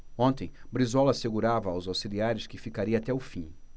ontem brizola assegurava aos auxiliares que ficaria até o fim